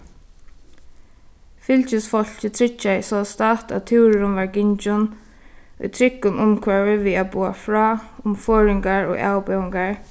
fylgisfólkið tryggjaði sostatt at túrurin varð gingin í tryggum umhvørvi við at boða frá um forðingar og avbjóðingar